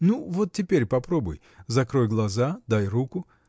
— Ну, вот теперь попробуй — закрой глаза, дай руку